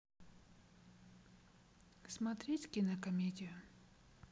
смотреть кинокомедию